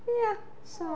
Ia so...